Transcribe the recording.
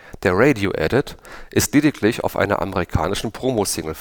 Der „ Radio Edit “ist lediglich auf einer amerikanischen Promo-Single-CD